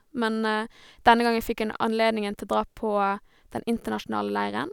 Men denne gangen fikk jeg nå anledningen til å dra på den internasjonale leiren.